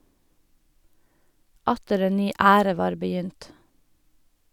Atter en ny ære var begynt.